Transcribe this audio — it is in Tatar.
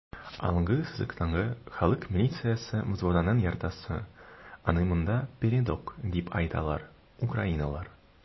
Алгы сызыктагы халык милициясе взводының яртысы (аны монда "передок" дип атыйлар) - украиналылар.